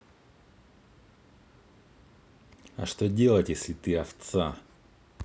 а что делать если ты овца